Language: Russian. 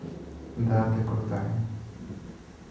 да ты крутая